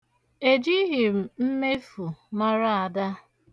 Ejighị m mmefu mara Ada.